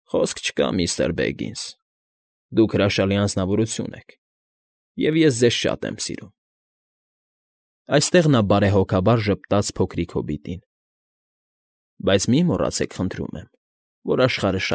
Խոսք չկա, միստր Բեգինս, դուք հրաշալի անձնավորություն եք, և ես ձեզ շատ եմ սիրում,֊ այստեղ նա բարեհոգաբար ժպտաց փոքրիկ հոբիտին,֊ բայց մի՛ մոռացեք, խնդրում եմ, որ աշխարհը։